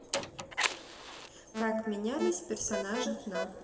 как менялись персонажев на